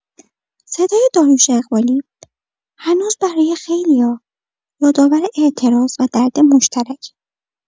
صدای داریوش اقبالی هنوز برای خیلیا یادآور اعتراض و درد مشترکه.